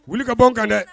Wuli ka bɔ kan dɛ